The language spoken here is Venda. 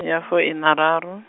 ya fuiṋararu.